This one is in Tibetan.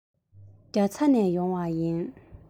རྒྱ ཚ ནས ཡོང བ ཡིན